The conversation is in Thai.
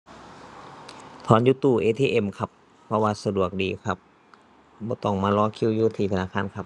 ถอนอยู่ตู้ ATM ครับ เพราะว่าสะดวกดีครับ บ่ต้องมารอคิวอยู่ที่ธนาคารครับ